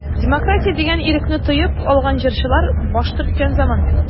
Демократия дигән ирекне тоеп алган җырчылар баш төрткән заман.